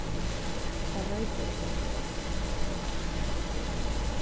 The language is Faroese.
hetta reipið er sterkt